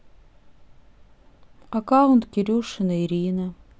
аккаунт кирюшина ирина